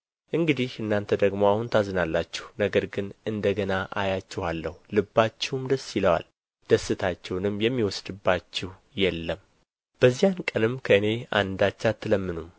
እንግዲህ እናንተ ደግሞ አሁን ታዝናላችሁ ነገር ግን እንደ ገና አያችኋለሁ ልባችሁም ደስ ይለዋል ደስታችሁንም የሚወስድባችሁ የለም በዚያን ቀንም ከእኔ አንዳች አትለምኑም